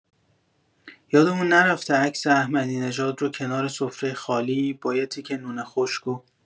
یادمون نرفته عکس احمدی‌نژاد رو کنار سفره خالی با یه تیکه نون خشکو